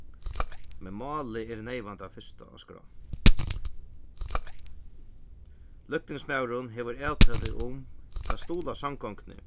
men málið er neyvan tað fyrsta á skrá løgtingsmaðurin hevur avtalu um at stuðla samgonguni